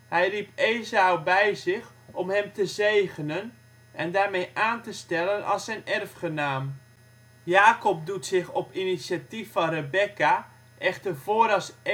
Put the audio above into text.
Hij riep Esau bij zich op hem te zegenen en daarmee aan te stellen als zijn erfgenaam. Jakob doet zich op initiatief van Rebekka echter voor als Esau